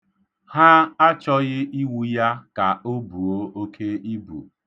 Ha achọghị iwu ya ka o buo oke ibu.